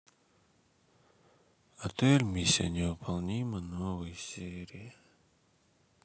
отель миссия невыполнима новые серии